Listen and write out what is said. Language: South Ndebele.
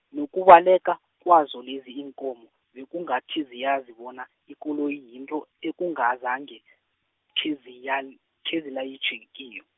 nokubaleka, kwazo lezi iinkomo, bekungathi ziyazi bona, ikoloyi yinto ekungazange , kheziyal-, khezilayitjhwe kiyo.